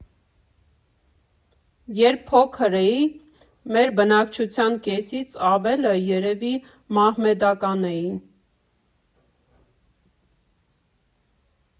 Երբ փոքր էի, մեր բնակչության կեսից ավելը երևի մահմեդական էին։